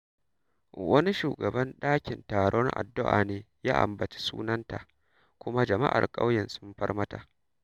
Wani shugaban ɗakin taron addu'a ne ya ambaci sunanta kuma jama'ar ƙuyen sun far mata.